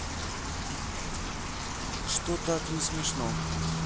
что так не смешно